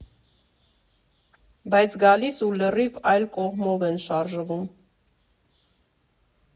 Բայց գալիս ու լրիվ այլ կողմով են շարժվում։